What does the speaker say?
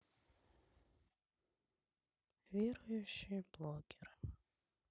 верующие блогеры